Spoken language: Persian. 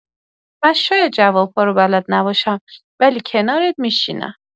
من شاید جواب‌ها رو بلد نباشم، ولی کنارت می‌شینم.